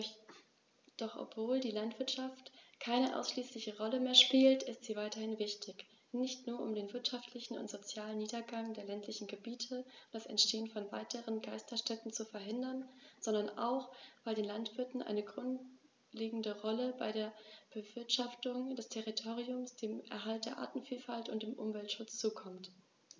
Doch obwohl die Landwirtschaft keine ausschließliche Rolle mehr spielt, ist sie weiterhin wichtig, nicht nur, um den wirtschaftlichen und sozialen Niedergang der ländlichen Gebiete und das Entstehen von weiteren Geisterstädten zu verhindern, sondern auch, weil den Landwirten eine grundlegende Rolle bei der Bewirtschaftung des Territoriums, dem Erhalt der Artenvielfalt und dem Umweltschutz zukommt.